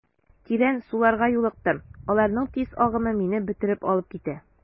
Тирән суларга юлыктым, аларның тиз агымы мине бөтереп алып китә.